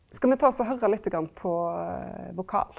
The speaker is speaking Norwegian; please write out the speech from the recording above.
skal me ta også høyra lite grann på vokal?